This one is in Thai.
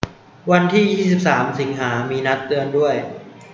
วันที่ยี่สิบสามสิงหามีนัดเตือนด้วย